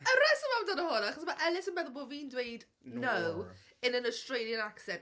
Y rheswm amdano hwn, achos mae Ellis yn meddwl bo' fi'n dweud "no" in an Australian accent.